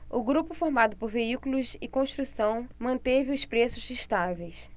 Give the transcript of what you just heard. o grupo formado por veículos e construção manteve os preços estáveis